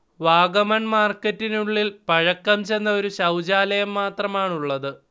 വാഗമൺ മാർക്കറ്റിനുള്ളിൽ പഴക്കം ചെന്ന ഒരു ശൗചാലയം മാത്രമാണുള്ളത്